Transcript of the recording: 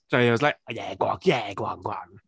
I was like yeah, go yeah, go on, go on.